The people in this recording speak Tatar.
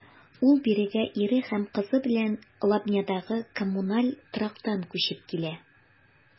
Ул бирегә ире һәм кызы белән Лобнядагы коммуналь торактан күчеп килә.